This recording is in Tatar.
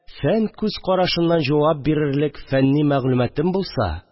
Фән күз карашыннан җавап бирерлек фәнни мәгълүматым булса